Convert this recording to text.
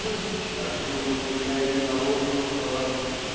но сейчас же употребляет инородную фразу